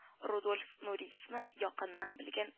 Рудольф Нуриевны якыннан белгән